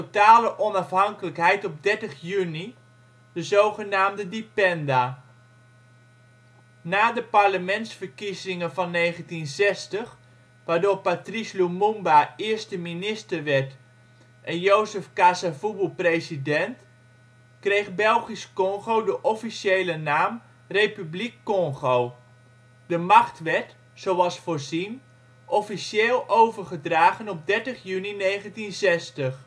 totale onafhankelijkheid op 30 juni, de zogenaamde Dipenda. Na de parlementsverkiezingen van 1960, waardoor Patrice Lumumba eerste minister werd en Joseph Kasavubu president, kreeg Belgisch-Kongo de officiële naam Republiek Congo. De macht werd, zoals voorzien, officieel overgedragen op 30 juni 1960. De